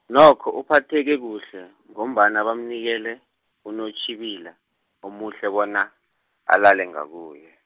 nokho uphatheke kuhle, ngombana bamnikela, unontjhibila, omuhle bona, alale ngakuye.